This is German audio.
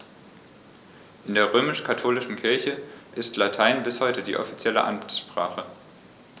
In der römisch-katholischen Kirche ist Latein bis heute offizielle Amtssprache.